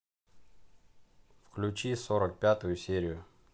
включи сорок пятую серию